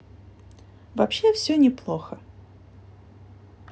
вообще все неплохо